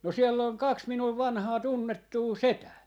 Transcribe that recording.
no siellä on kaksi minun vanhaa tunnettua setää